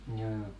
joo joo